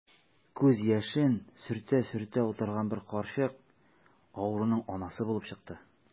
Күз яшен сөртә-сөртә утырган бер карчык авыруның анасы булып чыкты.